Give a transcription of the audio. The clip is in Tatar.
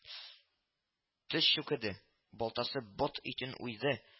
Төз чүкеде – балтасы бот итен уйды